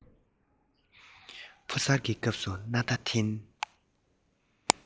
ཕོ གསར གྱི སྐབས སུ སྣ ཐ འཐེན